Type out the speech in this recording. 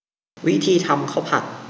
วิธีทำข้าวผัด